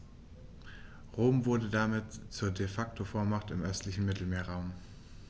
Rom wurde damit zur ‚De-Facto-Vormacht‘ im östlichen Mittelmeerraum.